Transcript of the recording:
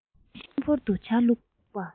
ཤིང ཕོར དུ ཇ བླུགས པ